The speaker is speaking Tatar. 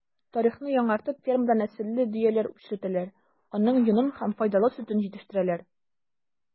Тарихны яңартып фермада нәселле дөяләр үчретәләр, аның йонын һәм файдалы сөтен җитештерәләр.